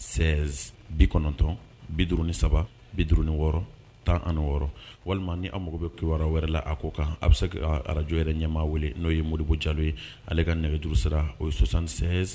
Sɛ bi kɔnɔntɔn bidi saba bid ni wɔɔrɔ tan ani wɔɔrɔ walima ni mako bɛ kibawaraw wɛrɛ la a ko kan a bɛ se araj yɛrɛ ɲɛmaa weele n'o ye moriko jalo ye ale ka nɛgɛdugu sira o ye sonsan sɛ